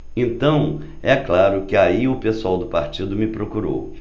então é claro que aí o pessoal do partido me procurou